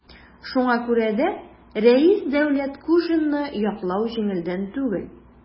Шуңа күрә дә Рәис Дәүләткуҗинны яклау җиңелдән түгел.